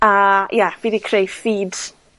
a ia, fi 'di creu feed